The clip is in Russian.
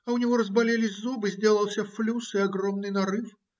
У него разболелись зубы, сделался флюс и огромный нарыв,